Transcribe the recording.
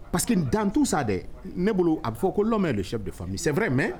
Parce que dans tout ça dɛ ne bolo a bɛ fɔ ko l'homme est le chef de famille c'est vrai, mais